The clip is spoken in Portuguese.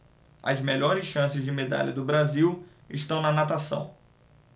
as melhores chances de medalha do brasil estão na natação